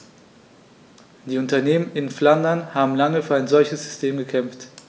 Die Unternehmen in Flandern haben lange für ein solches System gekämpft.